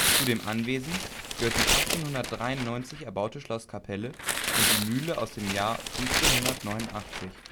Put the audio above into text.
Zu dem Anwesen gehört die 1893 erbaute Schlosskapelle und die Mühle aus dem Jahr 1589